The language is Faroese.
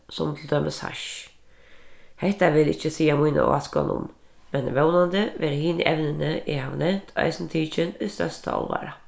sum til dømis hassj hetta vil eg ikki siga mína áskoðan um men vónandi vera hini evnini eg havi nevnt eisini tikin í størsta álvara